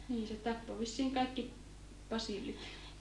niin se tappoi vissiin kaikki basillit